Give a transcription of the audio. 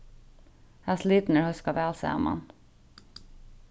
hasir litirnir hóska væl saman